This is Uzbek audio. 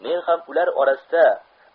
men ham ular orasida